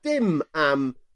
ddim am